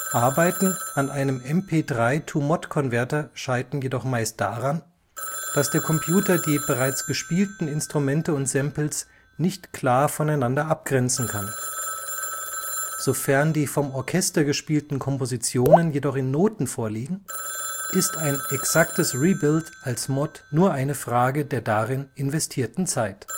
Arbeiten an einem MP3-to-Mod-Konverter scheitern jedoch meist daran, dass der Computer die bereits gespielten Instrumente und Samples nicht klar voneinander abgrenzen kann. Sofern die vom Orchester gespielten Kompositionen jedoch in Noten vorliegen, ist ein exaktes Rebuild als Mod nur eine Frage der darin investierten Zeit